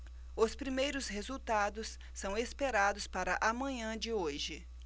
os primeiros resultados são esperados para a manhã de hoje